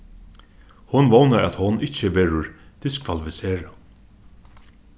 hon vónar at hon ikki verður diskvalifiserað